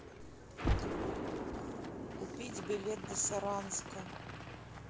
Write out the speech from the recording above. купить билет до саранска